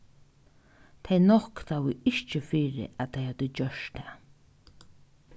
tey noktaðu ikki fyri at tey høvdu gjørt tað